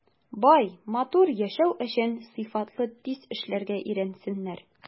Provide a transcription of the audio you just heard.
Бай, матур яшәү өчен сыйфатлы, тиз эшләргә өйрәнсеннәр.